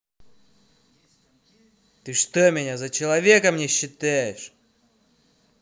ты что меня за человеком не считаешь